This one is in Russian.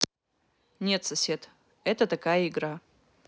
нет сосед это такая игра